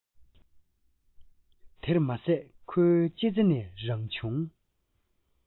དེར མ ཟད ཁོའི ལྕེ རྩེ ནས རང བྱུང